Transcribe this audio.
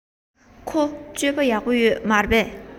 ཁོའི སྤྱོད པ ཡག པོ ཡོད མ རེད པས